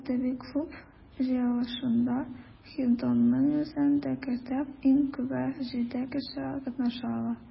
Әдәби клуб җыелышында, Хинтонның үзен дә кертеп, иң күбе җиде кеше катнаша ала.